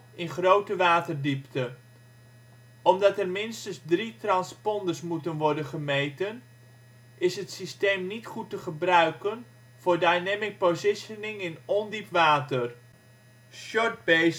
in grote waterdiepte. Omdat er minstens drie transponders moeten worden gemeten, is het systeem niet goed te gebruiken voor dynamic positioning in ondiep water. Short Baseline, SBL